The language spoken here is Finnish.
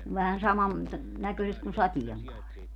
vähän saman - näköiset kuin sateenkaari